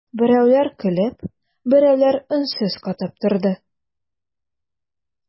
Берәүләр көлеп, берәүләр өнсез катып торды.